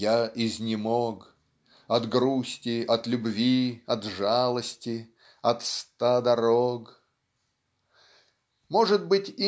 Я изнемог От грусти, от любви, от жалости, От ста дорог. Может быть